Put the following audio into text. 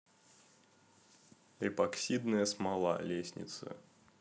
эпоксидная смола лестница